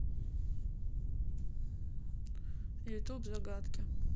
ютуб загадки